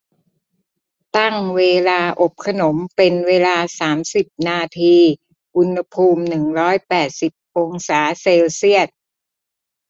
ตั้งเวลาอบขนมเป็นเวลาสามสิบนาทีอุณหภูมิหนึ่งร้อยแปดสิบองศาเซลเซียส